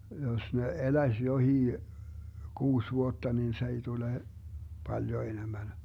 jos ne eläisi jokin kuusi vuotta niin se ei tule paljon enemmän